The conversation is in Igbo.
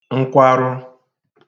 nkwarụ